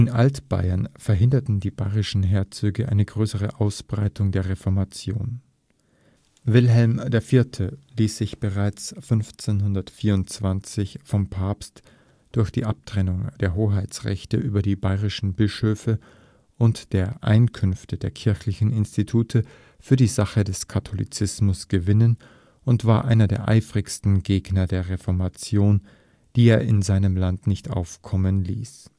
Altbayern verhinderten die bayerischen Herzöge eine größere Ausbreitung der Reformation. Wilhelm IV. ließ sich bereits 1524 vom Papst durch die Abtretung der Hoheitsrechte über die bayerischen Bischöfe und der Einkünfte der kirchlichen Institute für die Sache des Katholizismus gewinnen und war einer der eifrigsten Gegner der Reformation, die er in seinem Land nicht aufkommen ließ